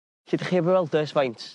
'Lly 'dych chi 'eb 'i weld o e's faint?